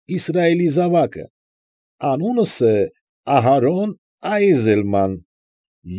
Իսրայելի զավակը, անունս է Ահարոն Այզելման։